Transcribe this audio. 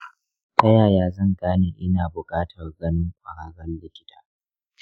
ta yaya zan gane ina buƙatar ganin ƙwararren likita?